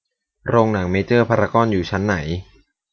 โรงหนังเมเจอร์พารากอนอยู่ชั้นไหน